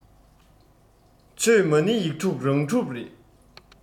ཆོས མ ཎི ཡིག དྲུག རང གྲུབ རེད